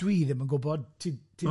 Dwi ddim yn gwybod, ti o na wyt.